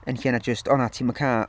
yn lle na jyst, "O na ti'm yn ca-"...